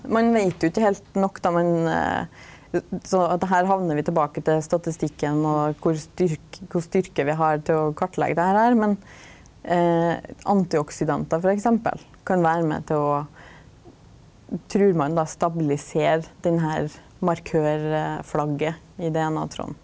ein veit jo ikkje heilt nok då, men sånn at her hamnar vi tilbake til statistikken og kor kva styrke vi har til å kartlegga det her her, men antioksidantar f.eks. kan vera med til å trur ein då stabilisera den her markørflagget i DNA-tråden.